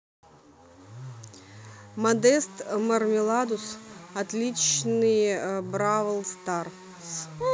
модест мармеладус отличие бравл старс